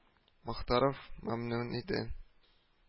Мохтаров мәмнүн иде